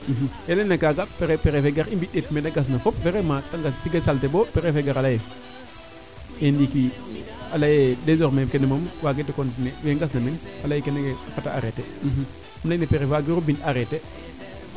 yeete ley na kaaga te leya prefet gar i mbi ndeet mete gas na fop vraiment tige salte bo prefet gara leyee e ndiiki a leyee desormer kene moom waage continuer wee ngas na meen a leye kene fata arreter im leyne prefet wagiro mbis arreter